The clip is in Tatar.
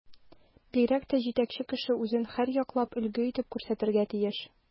Бигрәк тә җитәкче кеше үзен һәрьяклап өлге итеп күрсәтергә тиеш.